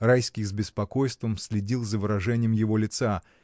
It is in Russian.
Райский с беспокойством следил за выражением его лица.